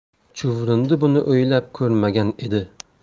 chuvrindi buni o'ylab ko'rmagan edi